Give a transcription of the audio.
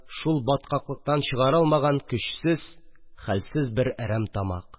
Шул баткаклыктан чыгара алмаган көчсез, хәлсез бер әрәмтамак